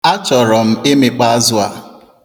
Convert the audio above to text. Achọrọ m ịmịkpọ azụ a.